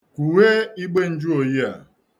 Kwughe igbe njuoyi a.